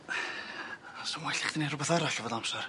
Fasa'n well i chdi neud rwbeth arall efo dy amsar.